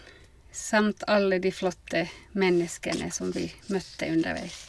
Samt alle de flotte menneskene som vi møtte underveis.